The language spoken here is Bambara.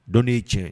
Dɔn y'i cɛ